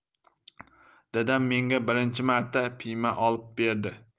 dadam menga birinchi marta piyma olib berdi